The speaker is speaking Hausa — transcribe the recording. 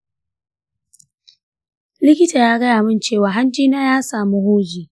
likita ya gaya min cewa hanjina ya samu huji